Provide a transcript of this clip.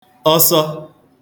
ọsọ